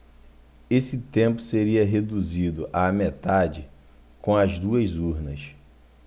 esse tempo seria reduzido à metade com as duas urnas